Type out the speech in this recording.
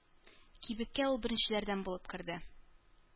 Кибеткә ул беренчеләрдән булып керде.